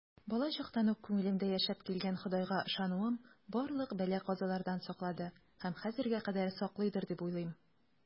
Балачактан ук күңелемдә яшәп килгән Ходайга ышануым барлык бәла-казалардан саклады һәм хәзергә кадәр саклыйдыр дип уйлыйм.